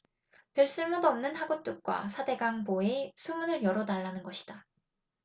별 쓸모도 없는 하굿둑과 사 대강 보의 수문을 열어달라는 것이다